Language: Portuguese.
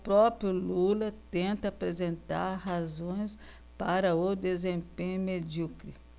o próprio lula tenta apresentar razões para o desempenho medíocre